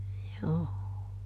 joo